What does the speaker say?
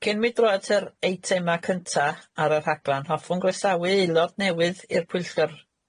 Cyn mi droi at yr eitema cynta ar y rhaglan, hoffwn groesawu aelod newydd i'r Pwyllgor.